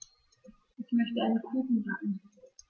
Ich möchte einen Kuchen backen.